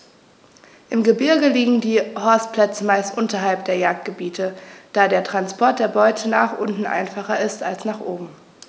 Im Gebirge liegen die Horstplätze meist unterhalb der Jagdgebiete, da der Transport der Beute nach unten einfacher ist als nach oben.